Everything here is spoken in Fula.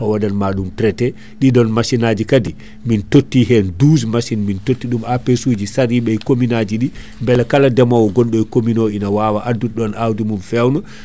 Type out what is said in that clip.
o waɗan ma ɗum traité ɗiɗon machine aji kaadi min totti hen 12 machines min totti APS suji saariɓe e commune aji ɗi beela kala deemowo gonɗon e commune o ina addude ɗon awdi mum fewna